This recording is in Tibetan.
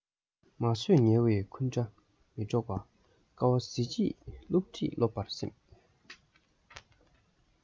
མ བཟོད ངལ བའི འཁུན སྒྲ མི སྒྲོག པ དཀའ བ གཟི བརྗིད སློབ ཁྲིད སྤོབས པར སེམས